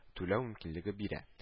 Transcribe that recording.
Түләү мөмкинлеге бирә